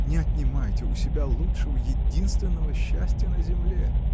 Не отнимайте у себя лучшего, единственного счастья на земле.